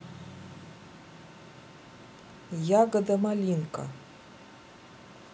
ягода малинка